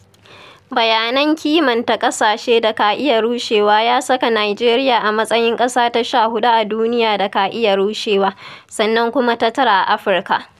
Bayanan kimanta ƙasashe da ka iya rushewa ya saka Nijeriya a matsayin ƙasa ta 14 a duniya da ka iya rushewa, sannan kuma ta tara a Afirka.